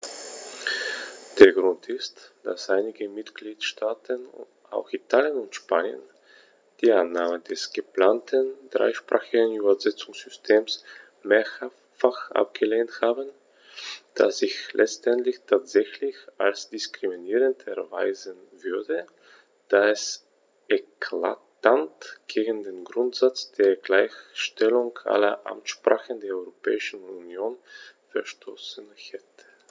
Der Grund ist, dass einige Mitgliedstaaten - auch Italien und Spanien - die Annahme des geplanten dreisprachigen Übersetzungssystems mehrfach abgelehnt haben, das sich letztendlich tatsächlich als diskriminierend erweisen würde, da es eklatant gegen den Grundsatz der Gleichstellung aller Amtssprachen der Europäischen Union verstoßen hätte.